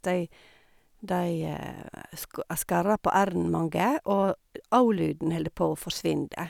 de De ska skarrer på r-en, mange, og ao-lyden holder på å forsvinne.